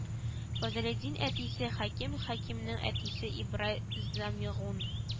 Фазылетдин әтисе хәким хәкимнең әтисе ибрай зәмигун